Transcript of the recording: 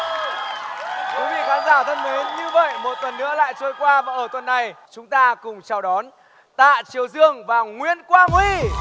quý vị khán giả thân mến như vậy một tuần nữa lại trôi qua và ở tuần này chúng ta cùng chào đón tạ triều dương và nguyễn quang huy